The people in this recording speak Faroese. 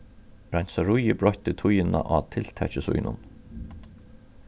reinsaríið broytti tíðina á tiltaki sínum